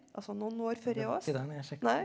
altså noen år før oss nei.